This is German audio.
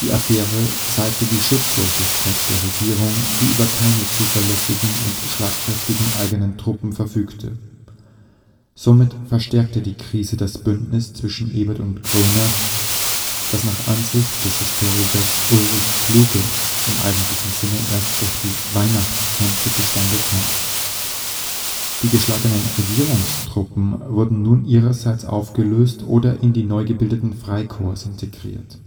Affäre zeigte die Schutzlosigkeit der Regierung, die über keine zuverlässigen und schlagkräftigen eigenen Truppen verfügte. Somit verstärkte die Krise das Bündnis zwischen Ebert und Groener, das nach Ansicht des Historikers Ulrich Kluge im eigentlichen Sinne erst durch die Weihnachtskämpfe zustande kam. Die geschlagenen Regierungstruppen wurden nun ihrerseits aufgelöst oder in die neu gebildeten Freikorps integriert